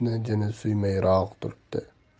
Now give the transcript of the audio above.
yigitni jini suymayroq turibdi